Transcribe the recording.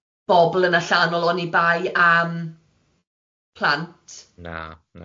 bobl yn allanol oni bai am plant na, na.